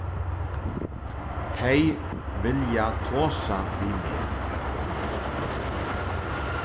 tey vilja tosa við meg